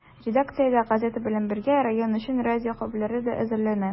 Редакциядә, газета белән бергә, район өчен радио хәбәрләре дә әзерләнә.